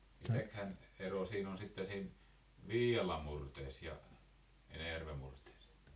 mitähän eroa siinä on sitten siinä Viialan murteessa ja Enäjärven murteessa